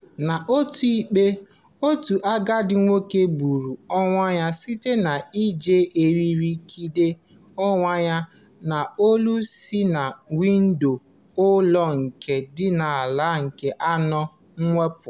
N’otu ikpe, otu agadi nwoke gburu onwe ya site n’iji eriri kegide onwe ya n’olu si na windo ụlọ nke dị n’ala nke anọ wụpụ.